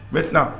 N bɛt